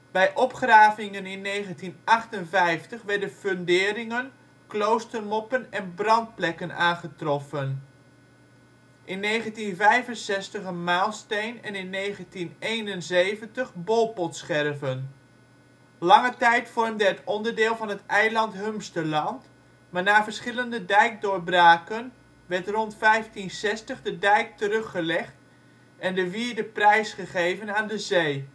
Bij opgravingen in 1958 werden funderingen, kloostermoppen en brandplekken aangetroffen, in 1965 een maalsteen en in 1971 bolpotscherven. Lange tijd vormde het onderdeel van het eiland Humsterland, maar na verschillende dijkdoorbraken werd rond 1560 de dijk teruggelegd en de wierde prijsgegeven aan de zee